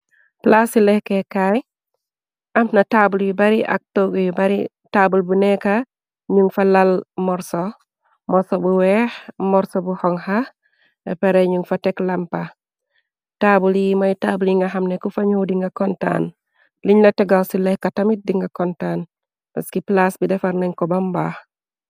Plaas yi lekkeekaay, am na taabul yu bari ak togg yu bari, taabul bu neeka ñun fa lal morso, morso bu weex, morso bu xoŋxa. Epere ñuŋ fa tek lampa, taabul yi may taabul yi nga xam neku fañoo di nga kontaan, liñ la tegaw ci lekka tamit di nga kontaan, baski plaas bi defar nañ ko bambaax.